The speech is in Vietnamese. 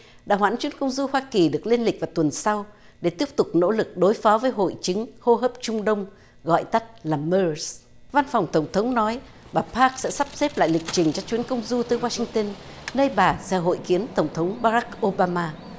đã hoãn chuyến công du hoa kỳ được lên lịch vào tuần sau để tiếp tục nỗ lực đối phó với hội chứng hô hấp trung đông gọi tắt là mơ văn phòng tổng thống nói bà pát sẽ sắp xếp lại lịch trình cho chuyến công du tới goa sinh tân nơi bà sẽ hội kiến tổng thống ba rắc ô ba ma